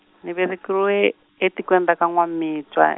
ni velekeriwe, etikweni ra ka Nwamitwa.